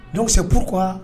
N se buru kuwa